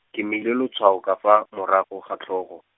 ke mmeile lotshwao ka fa, morago, ga tlhogo.